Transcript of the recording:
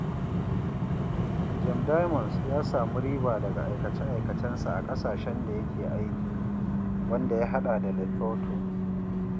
Gem Diamonds ya samu riba daga aikace-aikacen sa a ƙasashen da yake aiki, wanda ya haɗa da Lesotho.